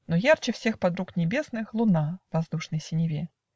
Но ярче всех подруг небесных Луна в воздушной синеве.